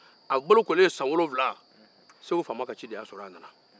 a bolokolen san wolonwula segu fama ka ciden y'a sɔrɔ yen na